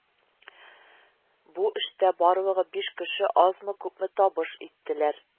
Бу эштә барлыгы биш кеше азмы-күпме табыш иттеләр